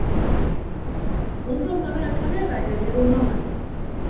umframt at vera klaverleikari er hon málari